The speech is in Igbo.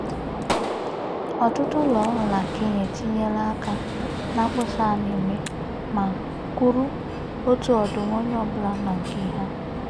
Ọtụtụ ụlọ ọrụ na Kenya etinyela aka na mkposa a na-eme ma 'kuru' otu ọdụm onye ọbụla na nke ha.